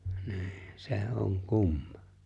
niin se on kumma